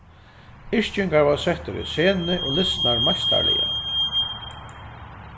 yrkingar vóru settar í senu og lisnar meistarliga